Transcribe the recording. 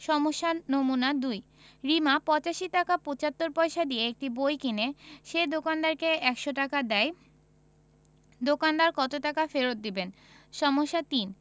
সমস্যা নমুনা ২ রিমা ৮৫ টাকা ৭৫ পয়সা দিয়ে একটি বই কিনে সে দোকানদারকে ১০০ টাকা দেয় দোকানদার কত টাকা ফেরত দেবেন সমস্যা ৩